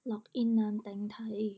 ล็อกอินนามแตงไทย